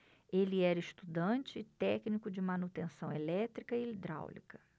ele era estudante e técnico de manutenção elétrica e hidráulica